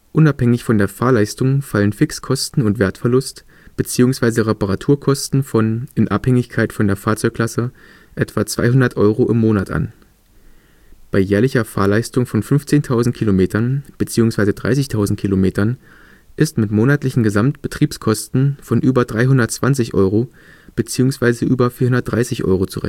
Unabhängig von der Fahrleistung fallen Fixkosten und Wertverlust bzw. Reparaturkosten von – in Abhängigkeit von der Fahrzeugklasse – etwa 200 Euro im Monat an. Bei jährlicher Fahrleistung von 15.000 Kilometern bzw. 30.000 Kilometern ist mit monatlichen Gesamt-Betriebskosten von über 320 Euro bzw. über 430 Euro zu